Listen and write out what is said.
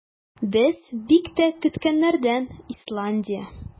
Без бик тә көткәннәрдән - Исландия.